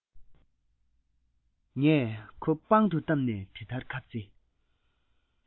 ངས ཁོ པང དུ བཏབ ནས དེ ལྟར ཁ རྩེ